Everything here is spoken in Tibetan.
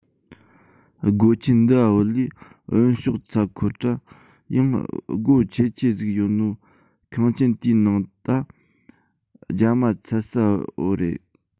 སྒོ ཆེན འདི འ བུད ལས གཡོན ཕྱོགས ཚ འཁོར དྲ ཡང སྒོ ཆེ ཆེ ཟིག ཡོད ནོ ཁང ཆེན དེའི ནང ད རྒྱ མ ཚད ས བོ རེད